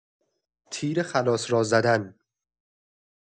تیر خلاص را زدن